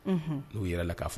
N'u yɛrɛ la k'a fɔ